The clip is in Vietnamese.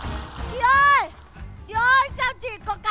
chị ơi chị ơi sao chị có